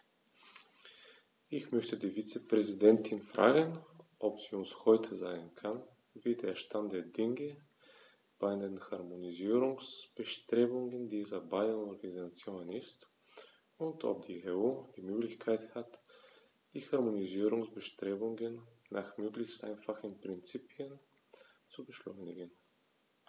Ich möchte die Vizepräsidentin fragen, ob sie uns heute sagen kann, wie der Stand der Dinge bei den Harmonisierungsbestrebungen dieser beiden Organisationen ist, und ob die EU die Möglichkeit hat, die Harmonisierungsbestrebungen nach möglichst einfachen Prinzipien zu beschleunigen.